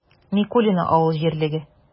Микулино авыл җирлеге